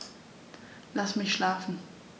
Lass mich schlafen